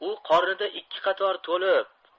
u qornida ikki qator to'lib